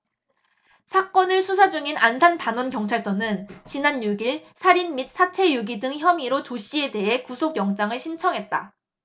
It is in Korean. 사건을 수사중인 안산단원경찰서는 지난 육 일 살인 및 사체유기 등 혐의로 조씨에 대해 구속영장을 신청했다